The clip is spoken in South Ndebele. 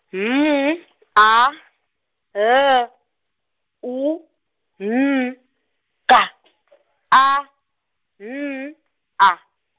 M , A, L, U, N, G , A, N, A.